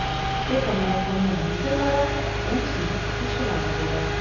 ЭКОмарафонның лидерлары 10 сыйныф укучылары булды.